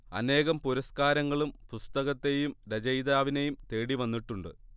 അനേകം പുരസ്കരങ്ങളും പുസ്തകത്തെയും രചയിതാവിനെയും തേടിവന്നിട്ടുണ്ട്